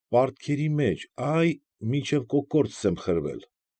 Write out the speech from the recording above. Պարտքերի մեջ, ա՛յ, մինչև կոկորդս եմ խրվել։